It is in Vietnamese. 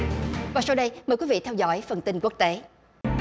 và sau đây mời quý vị theo dõi phần tin quốc tế